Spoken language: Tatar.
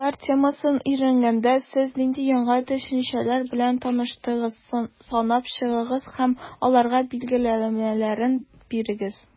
«елгалар» темасын өйрәнгәндә, сез нинди яңа төшенчәләр белән таныштыгыз, санап чыгыгыз һәм аларга билгеләмәләр бирегез.